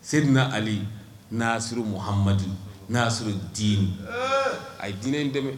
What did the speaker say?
Seyidina Ali naasuru muhamadin naasurul diin eee a ye diinɛ in dɛmɛ